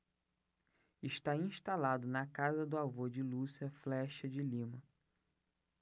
está instalado na casa do avô de lúcia flexa de lima